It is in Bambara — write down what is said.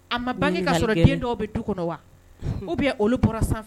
A ma bange ka sɔrɔ den dɔw bɛ du kɔnɔ wa ko bɛ olu bɔra sanfɛ